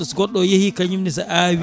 so goɗɗo o heeyi kañumne awi